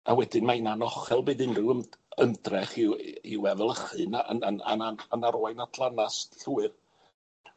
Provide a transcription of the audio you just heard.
A wedyn mae'n anochel bydd unryw ym- ymdrech i'w i- i'w efelychu, na- yn yn an- an- yn arwain at lanast llwyr.